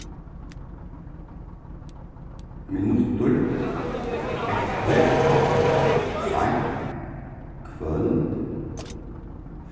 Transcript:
minuttur eftir seint kvøld